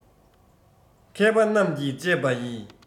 མཁས པ རྣམས ཀྱིས དཔྱད པ ཡི